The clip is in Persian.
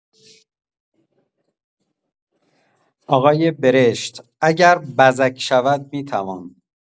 آقای برشت: اگر بزک شود می‌توان.